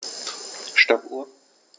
Stoppuhr.